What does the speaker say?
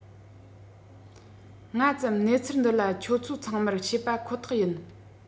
སྔ ཙམ གནས ཚུལ འདི ལ ཁྱེད ཚོ ཚང མར བཤད པ ཁོ ཐག ཡིན